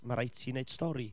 ma' raid ti wneud stori.